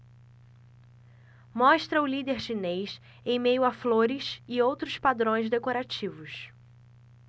mostra o líder chinês em meio a flores e outros padrões decorativos